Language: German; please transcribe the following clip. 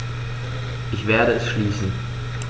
Ich werde es schließen.